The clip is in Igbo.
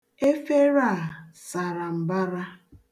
Efere a sara mbara